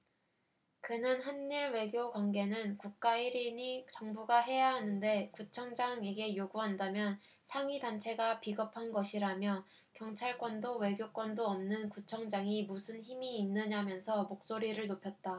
그는 한 일 외교관계는 국가일이니 정부가 해야하는데 구청장에게 요구한다면 상위 단체가 비겁한 것이라며 경찰권도 외교권도 없는 구청장이 무슨 힘이 있느냐면서 목소리를 높였다